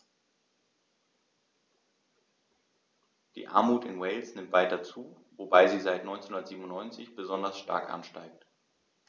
Die Armut in Wales nimmt weiter zu, wobei sie seit 1997 besonders stark ansteigt.